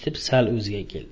sal o'ziga keldi